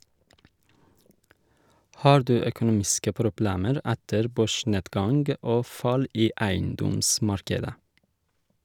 - Har du økonomiske problemer etter børsnedgang og fall i eiendomsmarkedet?